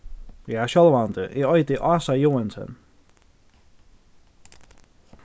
ja sjálvandi eg eiti ása joensen